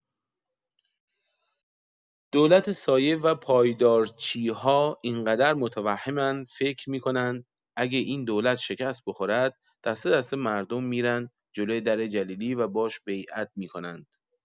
دولت سایه و پایدارچی‌ها اینقدر متوهمند فکر می‌کنند اگه این دولت شکست بخورد دسته‌دسته مردم می‌رن جلو در جلیلی و باش بیعت می‌کنند.